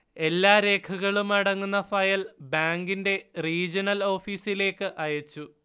എല്ലാരേഖകളും അടങ്ങുന്ന ഫയൽ ബാങ്കിന്റെ റീജണൽ ഓഫീസിലേക്ക് അയച്ചു